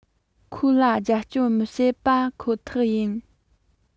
ཁོ ལ རྒྱབ སྐྱོར མི བྱེད པ ཁོ ཐག ཡིན